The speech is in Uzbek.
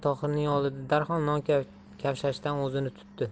tohirning oldida darhol non kavshashdan o'zini tutdi